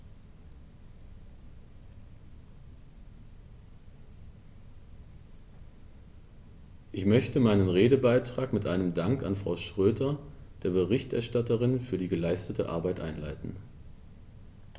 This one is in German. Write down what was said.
Ich möchte meinen Redebeitrag mit einem Dank an Frau Schroedter, der Berichterstatterin, für die geleistete Arbeit einleiten.